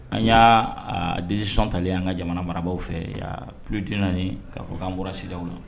An y'a deli sɔn tali an ka jamana marabagaw fɛ pludi naani'a fɔ k'an bɔra sidaw la